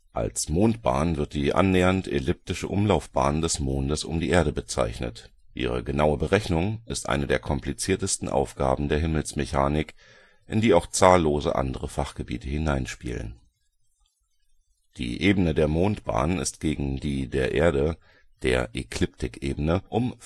Als Mondbahn wird die annähernd elliptische Umlaufbahn des Mondes um die Erde bezeichnet. Ihre genaue Berechnung ist eine der kompliziertesten Aufgaben der Himmelsmechanik, in die auch zahllose andere Fachgebiete hineinspielen. Größe und Distanz von Erde und Mond (maßstabsgerecht) Die Ebene der Mondbahn ist gegen die der Erde (Ekliptikebene) um